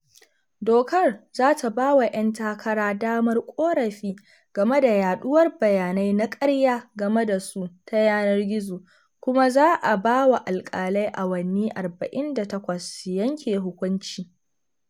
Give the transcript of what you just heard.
Dokar za ta ba wa ‘yan takara damar ƙorafi game da yaɗuwar bayanai na ƙarya game da su ta yanar gizo, kuma za a bawa alƙalai awanni 48 su yanke hukunci.